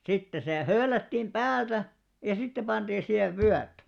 sitten se höylättiin päältä ja sitten pantiin siihen vyöt